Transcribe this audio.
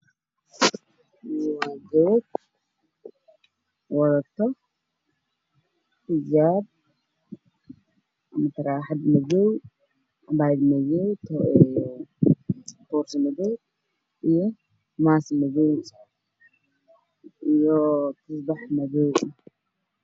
Waa naag wadato boorso madow ah cijaab madow ah iyo saaka madow ah